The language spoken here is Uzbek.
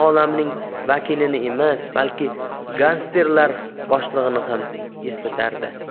olamining vakilini emas balki gangsterlar boshlig'ini eslatardi